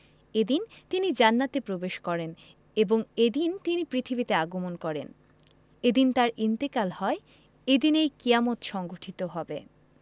এদিন তিনি জান্নাতে প্রবেশ করেন এবং এদিন তিনি পৃথিবীতে আগমন করেন এদিন তাঁর ইন্তেকাল হয় এদিনেই কিয়ামত সংঘটিত হবে